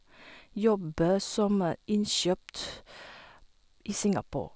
Jobbe som innkjøpt i Singapore.